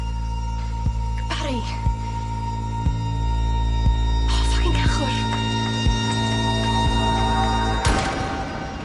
Bari! O ffycin cachwr!